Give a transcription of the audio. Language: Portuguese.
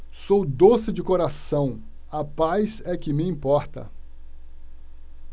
sou doce de coração a paz é que me importa